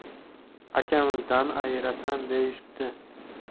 akamizdan ayirasan deyishibdi